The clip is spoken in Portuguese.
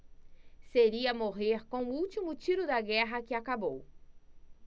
seria morrer com o último tiro da guerra que acabou